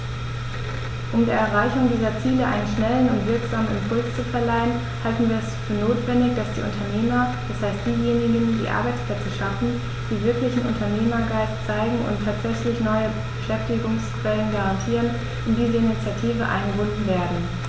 Um der Erreichung dieser Ziele einen schnellen und wirksamen Impuls zu verleihen, halten wir es für notwendig, dass die Unternehmer, das heißt diejenigen, die Arbeitsplätze schaffen, die wirklichen Unternehmergeist zeigen und tatsächlich neue Beschäftigungsquellen garantieren, in diese Initiative eingebunden werden.